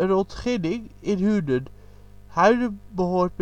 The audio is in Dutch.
ontginning - in Hunen. Huinen behoort